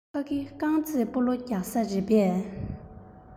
ཕ གི རྐང རྩེད སྤོ ལོ རྒྱག ས རེད པས